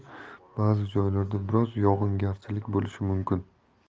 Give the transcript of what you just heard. turadi ba'zi joylarda biroz yog'ingarchilik bo'lishi mumkin